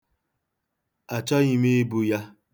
Achọghị m ibu ya.